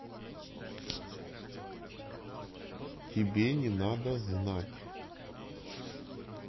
тебе не надо знать